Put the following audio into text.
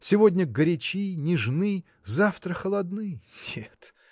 сегодня горячи, нежны, завтра холодны. нет!